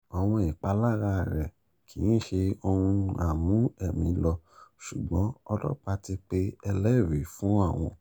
Àwọn ìpalára rẹ̀ kìíṣe ohun a mú ẹ̀mí lọ ṣùgbọ́n ọlọ́pàá ti pe ẹlẹ́rìí fún àwọn .